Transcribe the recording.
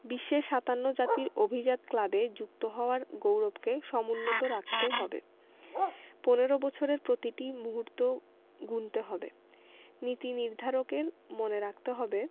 বিশ্বের ৫৭ জাতির অভিজাত ক্লাবে যুক্ত হওয়ার গৌরবকে সমুন্নত রাখতে হবে ১৫ বছরের প্রতিটি মুহূর্ত গুনতে হবে নীতিনির্ধারকদের মনে রাখতে হবে